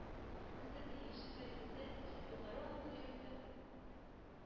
– энхытыи– шәһәребездәге төп югары уку йорты,